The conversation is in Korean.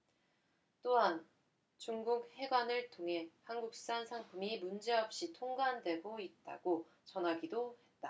또한 중국 해관을 통해 한국산 상품이 문제없이 통관되고 있다고 전하기도 했다